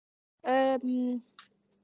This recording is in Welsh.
Yym